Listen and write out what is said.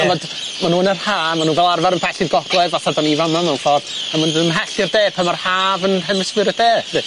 'Da chi'n gwbo; ma' n'w yn yr ha' ma' n'w fel arfar yn pell i'r gogledd fatha da ni'n fama mewn ffordd a ma' n'w'n mynd yn ymhell i'r de pan ma'r haf yn hemispheir y de ffydd.